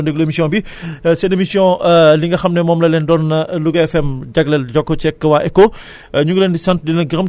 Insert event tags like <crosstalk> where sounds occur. merci beaucoup kooku di Abdoulaye Deme yéen mbokku auditeurs yi yéen tamit sant nañ leen gërëm nañ leen ñi fi jot a participer ñépp nag ak ñi nga xam ne ñu ngi doon déglu émission bi <breath>